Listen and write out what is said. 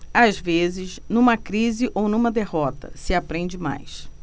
às vezes numa crise ou numa derrota se aprende mais